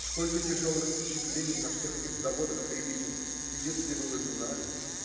Сколько тяжелых впечатлений на всех этих заводах, Рябинин, если бы вы знали!